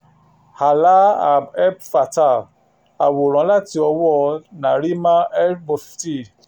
Alaa Abd El Fattah, àwòrán láti ọwọ́ Nariman El-Mofty.